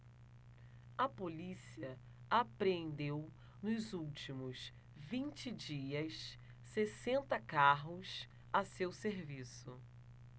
a polícia apreendeu nos últimos vinte dias sessenta carros a seu serviço